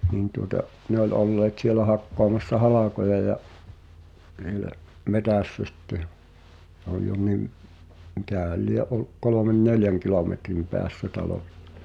niin tuota ne oli olleet siellä hakkaamassa halkoja ja siellä metsässä sitten ja se oli jo niin mikähän lie ollut kolmen neljän kilometrin päässä talosta